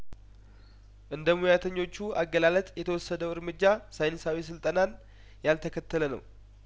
እንደ ሙያተኞቹ አገላለጥ የተወሰደው እርምጃ ሳይንሳዊ ስልጠናን ያልተከተለነው